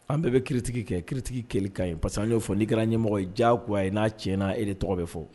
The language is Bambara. An bɛɛ bɛ critique kɛ, critique kɛli ka ɲi par ce que_ n 'ye o de fo n'i kera ɲɛmɔgɔ ye, diyagoya n'a tiɲɛna, e de tɔgɔ bɛ fɔ.